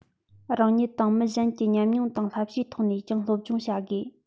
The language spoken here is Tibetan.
རང ཉིད དང མི གཞན གྱི ཉམས མྱོང དང བསླབ བྱའི ཐོག ནས ཀྱང སློབ སྦྱོང བྱ དགོས